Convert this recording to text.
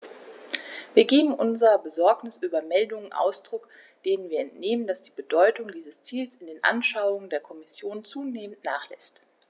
Wir geben unserer Besorgnis über Meldungen Ausdruck, denen wir entnehmen, dass die Bedeutung dieses Ziels in den Anschauungen der Kommission zunehmend nachlässt.